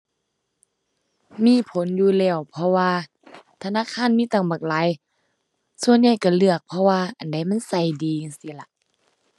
มีผลอยู่แล้ว เพราะว่าธนาคารมีตั้งบักหลาย ส่วนใหญ่ก็เลือกเพราะว่าอันใดมันก็ดีจั่งซี้ล่ะ